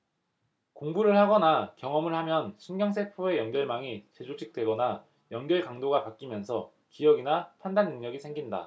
공부를 하거나 경험을 하면 신경세포의 연결망이 재조직되거나 연결 강도가 바뀌면서 기억이나 판단 능력이 생긴다